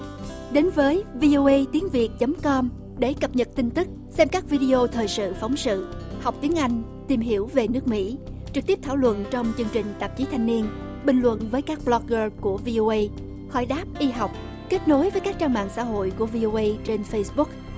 đến với vi ô ây tiếng việt chấm com để cập nhật tin tức xem các vi đi ô thời sự phóng sự học tiếng anh tìm hiểu về nước mỹ trực tiếp thảo luận trong chương trình tạp chí thanh niên bình luận với các blogger của vi ô ây hồi đáp y học kết nối với các trang mạng xã hội của vi ô ây trên phây búc